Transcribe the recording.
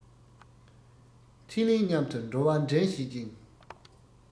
འཕྲིན ལས མཉམ དུ འགྲོ བ འདྲེན བྱེད ཅིང